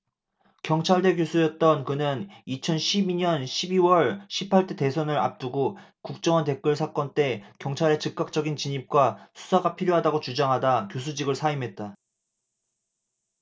경찰대 교수였던 그는 이천 십 이 년 십 이 월 십 팔 대 대선을 앞두고 국정원 댓글 사건 때 경찰의 즉각적인 진입과 수사가 필요하다고 주장하다 교수직을 사임했다